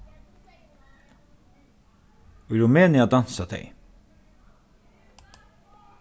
í rumenia dansa tey